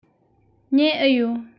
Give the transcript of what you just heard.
ཉལ འུ ཡོད